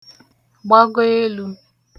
gbàgo elū